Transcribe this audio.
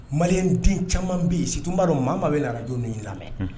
Mali den caman bɛi si tun b'a dɔn mama ma bɛ araj ni'i lamɛn